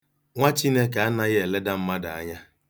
Nwa Chineke anaghị eleda mmadụ anya.